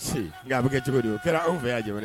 Nka bɛ kɛ cogo don kɛra fɛ y'a ja